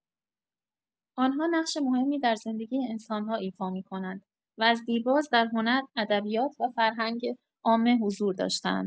آنها نقش مهمی در زندگی انسان‌ها ایفا می‌کنند و از دیرباز در هنر، ادبیات و فرهنگ عامه حضور داشته‌اند.